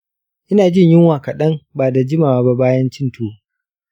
ina jin yunwa kaɗan ba da jimawa ba bayan cin tuwo.